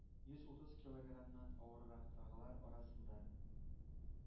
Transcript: Йөз утыз килограммнан авыррактагылар арасында